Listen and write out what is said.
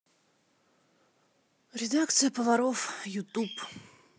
редакция пивоваров ютуб